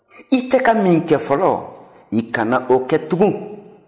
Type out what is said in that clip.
i tɛka min kɛ fɔlɔ i kana o kɛ tugun